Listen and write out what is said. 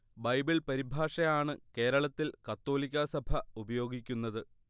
Bible പരിഭാഷ ആണ് കേരളത്തിൽ കത്തോലിക്കാ സഭ ഉപയോഗിക്കുന്നത്